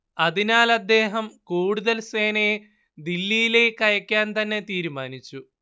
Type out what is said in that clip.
അതിനാൽ അദ്ദേഹം കൂടുതൽ സേനയെ ദില്ലിയിലേക്കയക്കാൻതന്നെ തീരുമാനിച്ചു